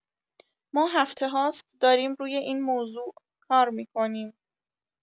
ما هفته‌هاست داریم روی این موضوع کار می‌کنیم.